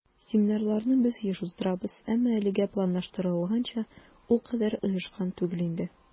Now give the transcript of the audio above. Семинарларны без еш уздырабыз, әмма әлегә планлаштырылганча ул кадәр оешкан түгел иде.